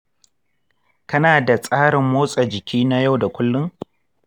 kana da tsarin motsa jiki na yau da kullum?